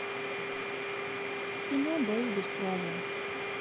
кино бои без правил